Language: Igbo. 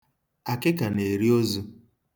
Akịka na-eri ozu.